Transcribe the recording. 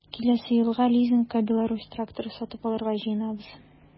Киләсе елга лизингка “Беларусь” тракторы сатып алырга җыенабыз.